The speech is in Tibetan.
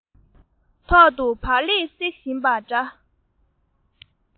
ཐོག ཏུ བག ལེབ སྲེག བཞིན པ འདྲ